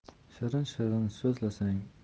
shirin shirin so'zlasang